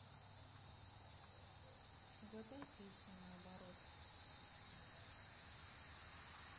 угадай песни наоборот